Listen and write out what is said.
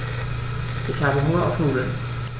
Ich habe Hunger auf Nudeln.